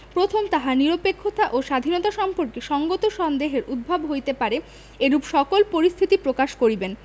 প্রথম তাহার নিরপেক্ষতা ও স্বাধীনতা সম্পর্কে সঙ্গত সন্দেহের উদ্ভব হইতে পারে এইরূপ সকল পরিস্থিতি প্রকাশ করিবেন